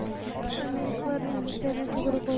Америкалылар үз-үзләренә тугры кала.